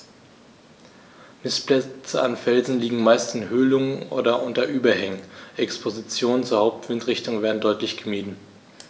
Nistplätze an Felsen liegen meist in Höhlungen oder unter Überhängen, Expositionen zur Hauptwindrichtung werden deutlich gemieden.